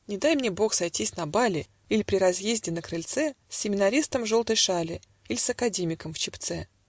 Не дай мне бог сойтись на бале Иль при разъезде на крыльце С семинаристом в желтой шале Иль с академиком в чепце!